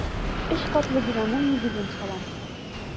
Өч катлы бинаның нигезен салам.